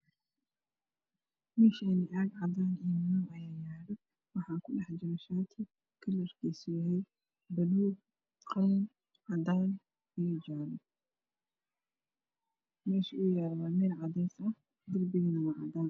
Meshani cag caadan iyo madow ayaa yalo waxaa ku dhex jira shati kalarkisu yalay balug qali cadan iyo jale mesha uu yalo waa meel cadees ah derbigana waa cadan